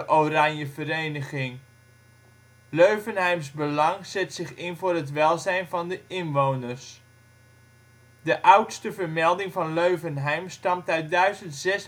oranjevereniging. " Leuvenheims Belang " zet zich in voor het welzijn van de inwoners. De oudste vermelding van Leuvenheim stamt uit 1046